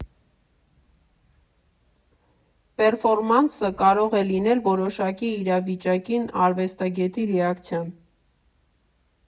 Պերֆորմանսը կարող է լինել որոշակի իրավիճակին արվեստագետի ռեակցիան։